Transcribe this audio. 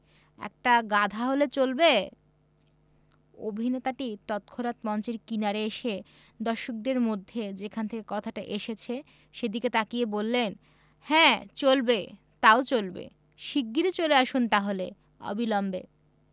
একটি গাধা হলে চলবে অভিনেতাটি তৎক্ষনাত মঞ্চের কিনারে এসে দর্শকদের মধ্যে যেখান থেকে কথাটা এসেছে সেদিকে তাকিয়ে বললেন হ্যাঁ চলবে তাও চলবে শিগগির চলে আসুন তাহলে অবিলম্বে